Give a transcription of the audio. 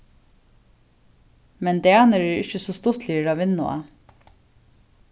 men danir eru ikki so stuttligir at vinna á